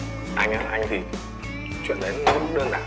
anh á anh thì chuyện đấy cũng đơn giản